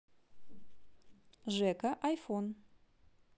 жека айфон